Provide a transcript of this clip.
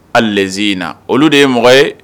A ze in na olu de ye mɔgɔ ye